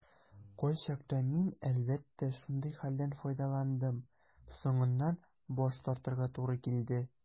Кайчакта мин, әлбәттә, шундый хәлдән файдаландым - соңыннан баш тартырга туры килде.